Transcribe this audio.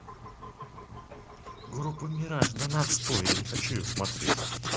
лина включи группу мираж